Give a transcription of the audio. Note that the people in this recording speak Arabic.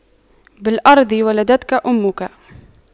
بالأرض ولدتك أمك